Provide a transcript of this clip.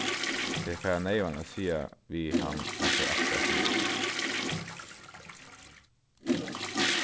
tey fara neyvan at siga við hann at tey ætla at siga upp